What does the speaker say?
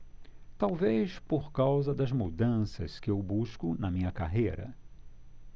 talvez por causa das mudanças que eu busco na minha carreira